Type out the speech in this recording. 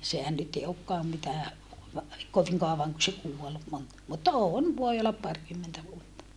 sehän nyt ei olekaan mitään kovin kauan kun se kuoli - mutta on voi olla parikymmentä vuotta